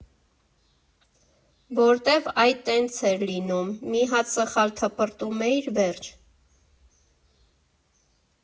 Որտև այ տենց էր լինում, մի հատ սխալ թփրտում էիր՝ վերջ։